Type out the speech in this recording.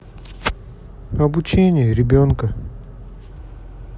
обучение ребенка